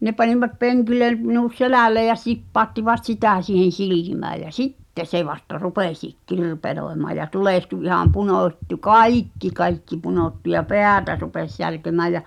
ne panivat penkille minut selälleen ja sippauttivat sitä siihen silmään ja sitten se vasta rupesikin kirpelöimään ja tulehtui ihan punottui kaikki kaikki punottui ja päätä rupesi särkemään ja